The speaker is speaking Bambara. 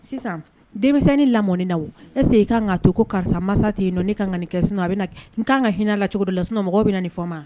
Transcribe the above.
Sisan denmisɛnnin lamɔni na o est ce que i kaan k'a to ko karisa masa te yennɔ ne kaan ŋa nin kɛ sinon a bena k n kaan ŋa hin'a la cogodo la sinon mɔgɔw bena nin fɔ ma